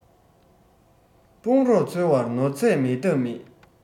དཔུང རོགས འཚོལ བར ནོར རྫས མེད ཐབས མེད